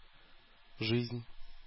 Жизнь